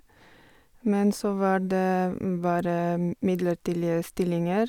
Men så var det bare m midlertidige stillinger.